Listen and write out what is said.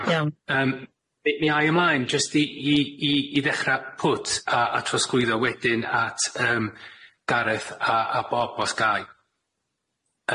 Iawn. Yym mi- mi- ai ymlaen jyst i i i i ddechra pwt a a trosglwyddo wedyn at yym Gareth a a Bob os gai.